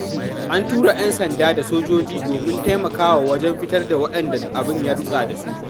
An tura 'yan sanda da sojoji domin taimakawa wajen fitar da waɗanda abin ya rutsa da su.